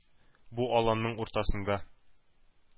Бу аланның уртасында